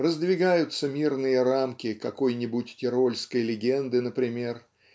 раздвигаются мирные рамки какой-нибудь тирольской легенды например